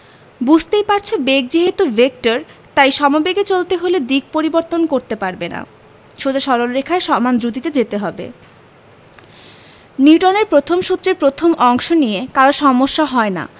বুঝতেই পারছ বেগ যেহেতু ভেক্টর তাই সমবেগে চলতে হলে দিক পরিবর্তন করতে পারবে না সোজা সরল রেখায় সমান দ্রুতিতে যেতে হবে নিউটনের প্রথম সূত্রের প্রথম অংশ নিয়ে কারো সমস্যা হয় না